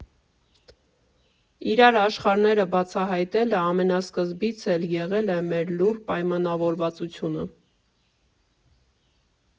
Իրար աշխարհները բացահայտելը ամենասկզբից էլ եղել է մեր լուռ պայանավորվածությունը։